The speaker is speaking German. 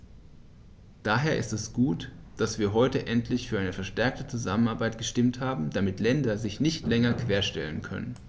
Daher ist es gut, dass wir heute endlich für eine verstärkte Zusammenarbeit gestimmt haben, damit gewisse Länder sich nicht länger querstellen können.